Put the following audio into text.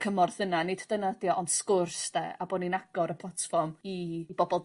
cymorth yna nid dyna ydi o ond sgwrs 'de a bo' ni'n agor y platfform i i bobol